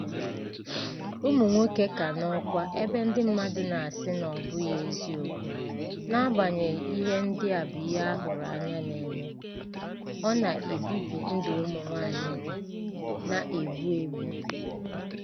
Ụmụnwoke ka n'ọkwa ebe ndị mmadụ na-asị na ọ bụghị eziokwu, n'agabnyeghi ihe ndị a bụ ihe ahụrụ anya na-eme: Ọ na-ebibi ndụ ụmụ nwaanyị bi na EGBU EGBU!